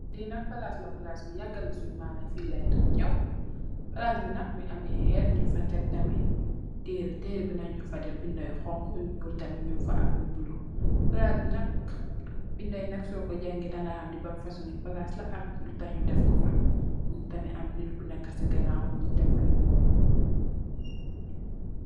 Li nak palas la palas bu yaga suun mam yi fi len doon nyow palass bi nak mungi ameh xeer nyun fa tek tamit tere tere bi nak nyun fa def binday yu xonxu yu nuul tam mung fa ak lu bulu palas bi nak binday nak soko jangex daga xam li ban fosongi palas la ak lutak nu def ko fa am tamit nit bu neke si ganaw def lu nuul.